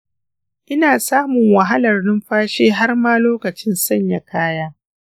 ina samun wahalar numfashi har ma lokacin sanya kaya.